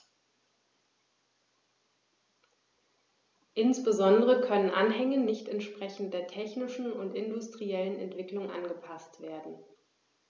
Insbesondere können Anhänge nicht entsprechend der technischen und industriellen Entwicklung angepaßt werden.